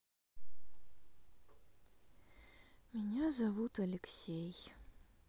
меня зовут алексей